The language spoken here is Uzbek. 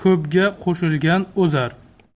ko'pga qo'shilgan o'zar